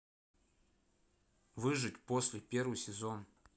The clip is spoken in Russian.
выжить после первый сезон